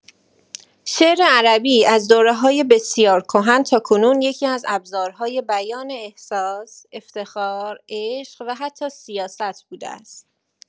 شعر عربی از دوره‌های بسیار کهن تاکنون یکی‌از ابزارهای بیان احساس، افتخار، عشق و حتی سیاست بوده است.